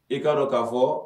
I kaa don k kaa fɔ